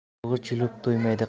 yulg'ich yulib to'ymaydi